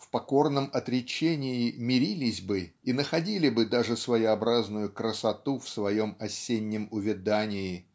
в покорном отречении мирились бы и находили бы даже своеобразную красоту в своем осеннем увядании.